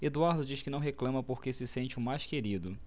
eduardo diz que não reclama porque se sente o mais querido